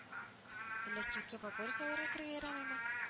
– әллә кибеткә папорос алырга керергә ярамыймы